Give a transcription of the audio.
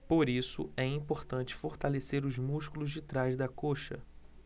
por isso é importante fortalecer os músculos de trás da coxa